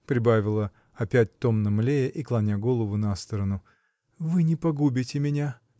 — прибавила, опять томно млея и клоня голову на сторону, — вы не погубите меня.